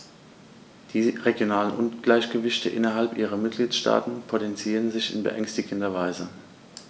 Die regionalen Ungleichgewichte innerhalb der Mitgliedstaaten potenzieren sich in beängstigender Weise.